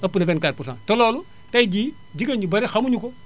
ëpp na 24 pour cent te loolu tey jii jigéen ñu bare xamuñu ko